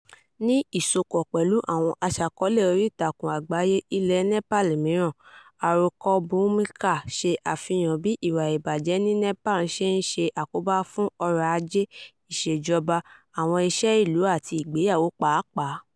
Ní ìsopọ̀ pẹ̀lú àwọn aṣàkọọ́lẹ̀ oríìtakùn àgbáyé ilẹ̀ Nepal mìíràn, àròkọ Bhumika ṣe àfihàn bí ìwà ìbàjẹ́ ní Nepal ṣe ń ṣe àkóbá fún ọrọ̀-ajé, ìṣèjọba, àwọn iṣẹ́ ìlú àti ìgbéyàwó pàápàá.